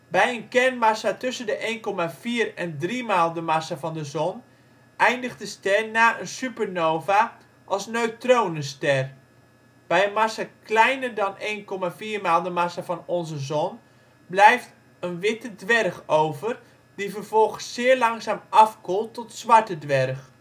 Bij een kernmassa tussen 1,4 en 3 maal de massa van de zon eindigt de ster na een supernova als neutronenster. Bij een massa kleiner dan 1,4 maal de massa van onze zon blijft een witte dwerg over, die vervolgens zeer langzaam afkoelt tot zwarte dwerg